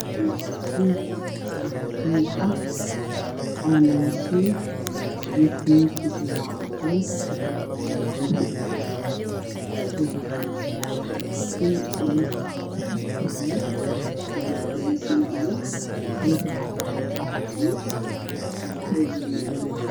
Waxaa yaalo shariif labo nafar ah oo midabkeedu yahay cadays waxaa saaran go madow iyo cadan isku jira